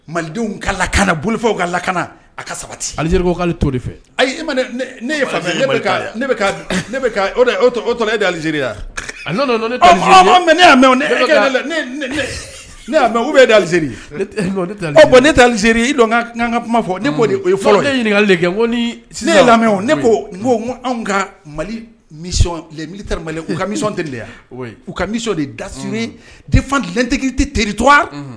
Malidenw ka lakana bolofɛw ka lakana a ka sabati alizriale to de fɛ ayi ne e alize mɛ ne mɛ nea mɛ u bɛ e da alize ne tɛzeri i ka kuma fɔ ne fa ɲininkaka ale kɛ ne ye lamɛn o ne ko n ko anw ka mali mi mali' ka mi tɛ yan u kamisɔn de dasiri de fa lɛntigi tɛ teriri to